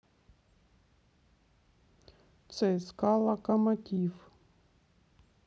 цска локомотив